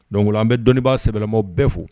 Dongo an bɛ dɔnibaa sɛɛlɛma bɛɛ fo